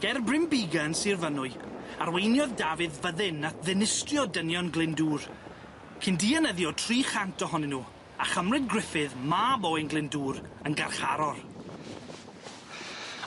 Ger Bryn Bigan, Sir Fynwy arweiniodd Dafydd fyddin at ddinistrio dynion Glyndŵr, cyn dianyddio tri chant ohonyn nw, a chymryd Gruffydd, mab Owain Glyndŵr, yn garcharor.